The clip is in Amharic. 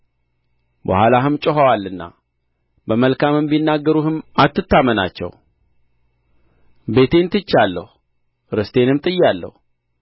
በኋላህም ጮኸዋልና በመልካምም ቢናገሩህም አትታመናቸው ቤቴን ትቼአለሁ ርስቴንም ጥያለሁ